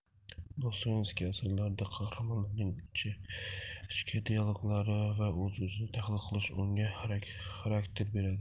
dostoyevskiy asaridagi qahramonlarning ichki dialoglari va o'z o'zini tahlil qilishi unga ekzistetsialistik xarakter beradi